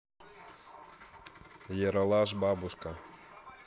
ералаш бабушка